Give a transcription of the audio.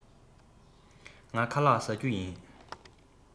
ང ཁ ལག བཟའ རྒྱུ ཡིན